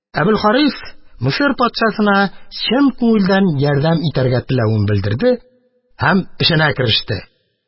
Әбелхарис Мисыр патшасына чын күңелдән ярдәм итәргә теләвен белдерде һәм эшенә кереште.